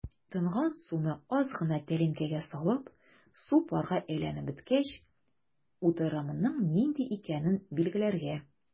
Тонган суны аз гына тәлинкәгә салып, су парга әйләнеп беткәч, утырымның нинди икәнен билгеләргә.